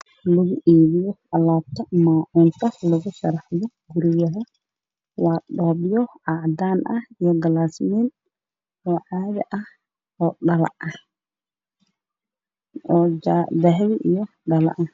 Meeshaan waa miis waxaa saaran alaab lagu isticmaalo guryaha waana kooban iyo weerar cadaan iyo dahab ka sameysan